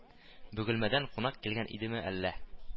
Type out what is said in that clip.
Бөгелмәдән кунак килгән идеме әллә